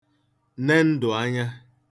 ne ndụ̀ anya